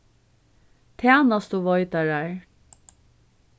tænastuveitarar